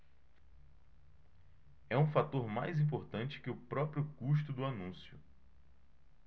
é um fator mais importante que o próprio custo do anúncio